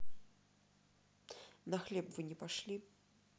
на хлеб вы не пошли